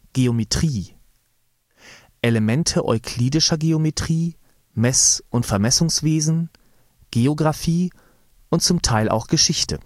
Geometrie: Elemente euklidischer Geometrie, Mess - und Vermessungswesen, Geographie und z. T. auch Geschichte